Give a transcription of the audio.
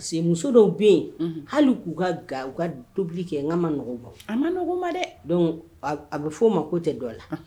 Parce que muso dɔw bɛ yen. Unhun. Hali k'u ka ga, u ka tobili kɛ nka ma nɔgɔ o ma. A nɔgɔ o ma dɛ. Donc a bɛ fɔ o ma k'o tɛ dɔ la.